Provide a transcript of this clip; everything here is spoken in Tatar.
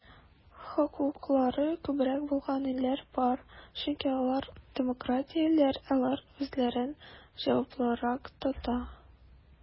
Хокуклары күбрәк булган илләр бар, чөнки алар демократияләр, алар үзләрен җаваплырак тота.